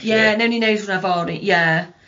Ie wnewn ni neud hwnna fory ie